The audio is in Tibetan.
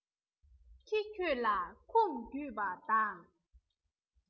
ཁྱི ཁྱོད ལ ཁུངས བརྒྱུད པ དང